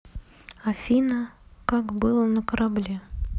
афина как было на корабле